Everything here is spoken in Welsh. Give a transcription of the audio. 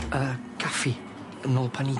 Yy, caffi, yn ôl paneidia.